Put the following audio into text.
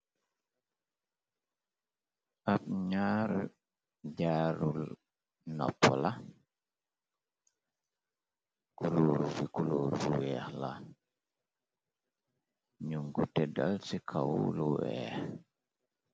Ab ñyaari jaarul noppo la kuluuru bi kuluur bu weex la ñu ko teddal ci kaw lu wéex .